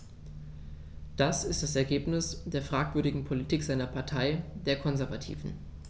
Das ist das Ergebnis der fragwürdigen Politik seiner Partei, der Konservativen.